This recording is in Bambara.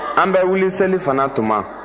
an bɛ wuli selifana tuma